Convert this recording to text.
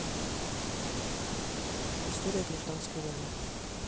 история гражданской войны